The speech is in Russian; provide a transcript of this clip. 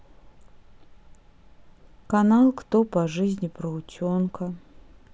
канал кто по жизни про утенка